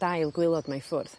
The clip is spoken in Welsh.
dail gwelod 'ma i ffwrdd.